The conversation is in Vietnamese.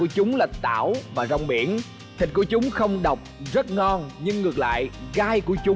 của chúng là tảo và rong biển thịt của chúng không đọc rất ngon nhưng ngược lại gai của chúng